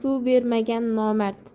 suv bermagan nomard